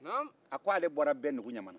a ko ale bɔra bɛndugu ɲamana